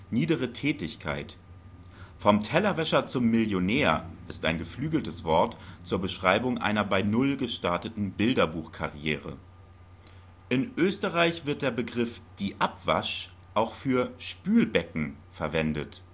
niedere Tätigkeit: „ Vom Tellerwäscher zum Millionär “ist ein geflügeltes Wort zur Beschreibung einer bei null gestarteten Bilderbuchkarriere. In Österreich wird der Begriff „ die Abwasch “auch für Spülbecken verwendet